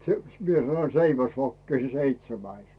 se minä sanoin seiväsvokki se seitsemäs